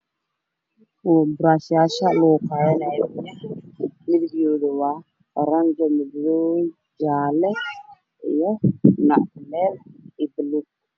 Waa buraashyaasha lagu qaadanaayay biyaha Midabkoodu waa orange madow jaalle iyo nacmeel iyo buluug